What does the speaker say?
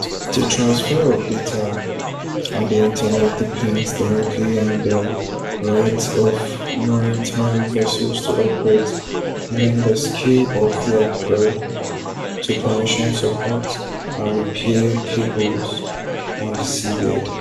The transfer of data on the internet depends directly on the right of maritime vessels to operate and on the skills of their crews to commission, support, and repair cables on the seabed.